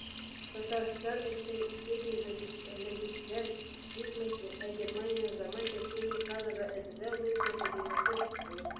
Татарстан өчен техник белгечлекләр бик мөһим, ә Германиянең заманча техник кадрлар әзерләү буенча тәҗрибәсе бик зур.